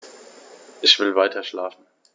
Ich will weiterschlafen.